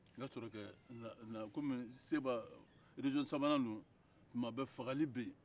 n kasɔrɔ ka na kɔmi seba ye marabolo sabanan ye tuma bɛɛ fagali bɛ yen